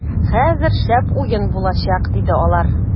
- хәзер шәп уен булачак, - диде алар.